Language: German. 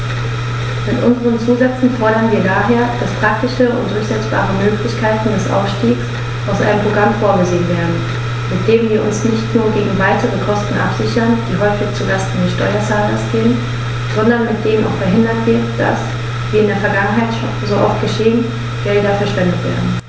Mit unseren Zusätzen fordern wir daher, dass praktische und durchsetzbare Möglichkeiten des Ausstiegs aus einem Programm vorgesehen werden, mit denen wir uns nicht nur gegen weitere Kosten absichern, die häufig zu Lasten des Steuerzahlers gehen, sondern mit denen auch verhindert wird, dass, wie in der Vergangenheit so oft geschehen, Gelder verschwendet werden.